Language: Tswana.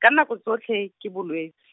ka nako tsotlhe, ke bolwetsi.